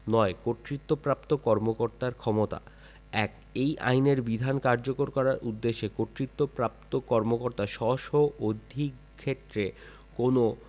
৯ কর্তৃত্বপ্রাপ্ত কর্মকর্তার ক্ষমতাঃ ১ এই আইনের বিধান কার্যকর করার উদ্দেশ্যে কর্তৃত্বপ্রাপ্ত কর্মকর্তা স্ব স্ব অধিক্ষেত্রে কোন